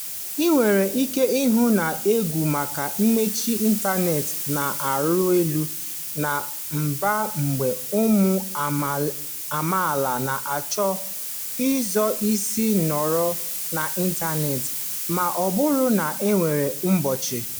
I nwere ike ịhụ na égwù maka mmechi ịntaneetị na-arị elu na mba mgbe ụmụ amaala na-achọ ụzọ isi nọrọ n'ịntaneetị ma ọ bụrụ na e nwere mgbochi.